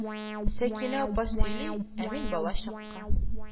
Сәкинә апа сөйли, ә мин балачакка